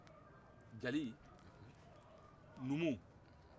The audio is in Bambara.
jeli numu